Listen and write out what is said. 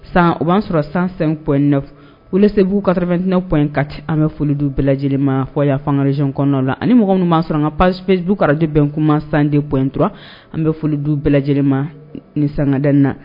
San o b'an sɔrɔ 105.9 Wulesebugu 8.4 an ka foli bɛ u bɛɛ lajɛlen ma fɔ yan fɔ an ka region kɔnɔnaw na, ani mɔgɔ min, nu b'an sɔrɔ an ka page facebook radion bɛn kuma 102.3, an bɛ foli d'u bɛɛ lajɛlen ma ni sɔgɔmada in na.